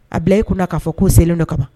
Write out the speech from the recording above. A bila e kunna k'a fɔ ko selen dɔ kamaban